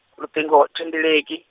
luṱingo, thendeleki.